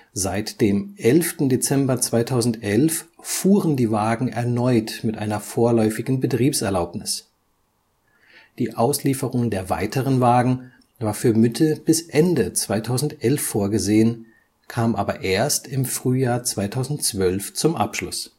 Seit dem 11. Dezember 2011 fuhren die Wagen erneut mit einer vorläufigen Betriebserlaubnis. Die Auslieferung der weiteren Wagen war für Mitte bis Ende 2011 vorgesehen, kam aber erst im Frühjahr 2012 zum Abschluss